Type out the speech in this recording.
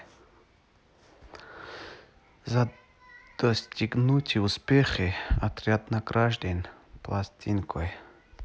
за достигнутые успехи отряд награжден пластинкой